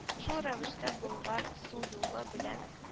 Шул рәвештә Болгар су юлы белән